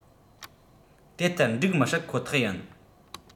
དེ ལྟར འགྲིག མི སྲིད ཁོ ཐག ཡིན